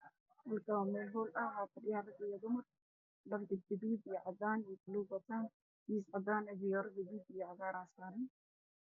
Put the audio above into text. Meshaan waa hool fadhiyaan dad badan oo wato dhar buluug, cadaan iyo gaduud